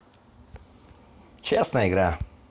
честная игра